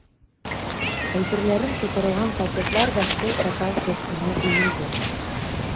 Әйберләрем тутырылган пакетлар да шул каталка өстенә өелде.